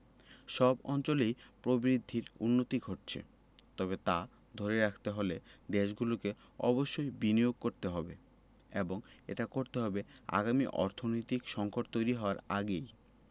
সব অঞ্চলেই প্রবৃদ্ধির উন্নতি ঘটছে তবে তা ধরে রাখতে হলে দেশগুলোকে অবশ্যই বিনিয়োগ করতে হবে এবং এটি করতে হবে আগামী অর্থনৈতিক সংকট তৈরি হওয়ার আগেই